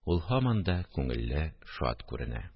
Ул һаман да күңелле, шат күренә